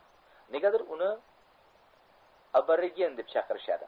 negadir uni aborigen deb chaqirishadi